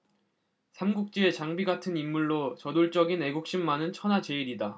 삼국지의 장비 같은 인물로 저돌적인 애국심만은 천하제일이다